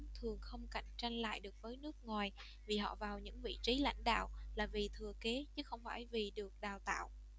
cạnh tranh lại được với nước ngoài vì họ vào những vị trí lãnh đạo là vì thừa kế chứ không phải vì được đào tạo